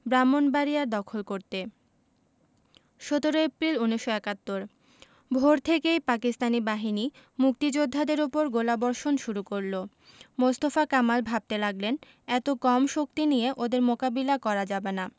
ব্রাহ্মনবাড়িয়া দখল করতে ১৭ এপ্রিল ১৯৭১ ভোর থেকেই পাকিস্তানি বাহিনী মুক্তিযোদ্ধাদের উপর গোলাবর্ষণ শুরু করল মোস্তফা কামাল ভাবতে লাগলেন এত কম শক্তি নিয়ে ওদের মোকাবিলা করা যাবে না